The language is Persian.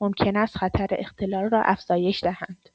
ممکن است خطر اختلال را افزایش دهند.